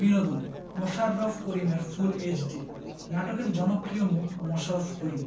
বিনোদন মোশাররফ করিমের full HD নাটকের জনপ্রিয় মুখ মোশাররফ করিম